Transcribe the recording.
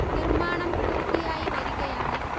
നിര്മാണം പൂര്ത്തിയായി വരികയാണ്